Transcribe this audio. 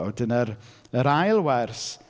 Wedyn yr yr ail wers.